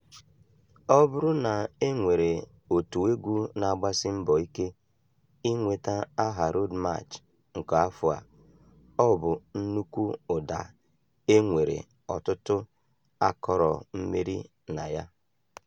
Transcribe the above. Ọ bụrụ na e nwere otu egwu na-agbasi mbọ ike inweta aha Road March nke afọ a, ọ bụ nnukwu ụda a nwere ọtụtụ akọrọ mmeri na ya: